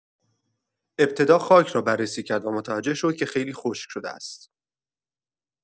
ابتدا خاک را بررسی کرد و متوجه شد که خیلی خشک شده است.